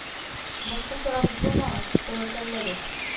Башка чарабыз булмагач, тәвәккәлләдек